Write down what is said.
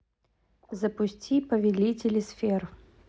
запусти повелители сфер